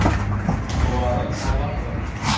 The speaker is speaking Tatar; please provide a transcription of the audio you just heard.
Боларын ала тор.